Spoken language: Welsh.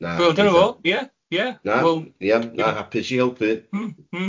Na.. Wel dyna fo, ie, ie... Na... Wel.. Ia. Na hapus i helpu... Mm, mm.